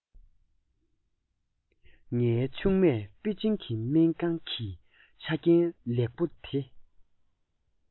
ངའི ཆུང མས པེ ཅིན གྱི སྨན ཁང གི ཆ རྐྱེན ལེགས པོ དེ